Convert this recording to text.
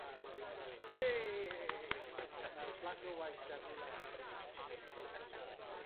a wedyn gweld wê fel black or white ar roulette neu